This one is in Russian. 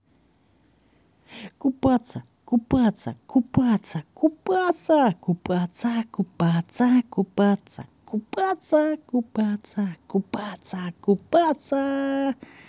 купаться купаться купаться купаться купаться купаться купаться купаться купаться купаться купаться